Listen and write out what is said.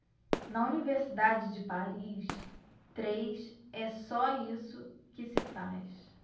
na universidade de paris três é só isso que se faz